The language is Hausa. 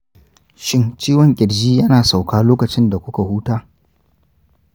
shin, ciwon kirji yana sauka lokacin da kuka huta?